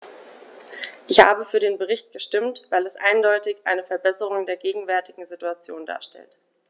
Ich habe für den Bericht gestimmt, weil er eindeutig eine Verbesserung der gegenwärtigen Situation darstellt.